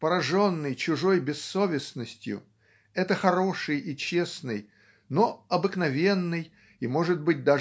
пораженный чужой бессовестностью это хороший и честный но обыкновенный и может быть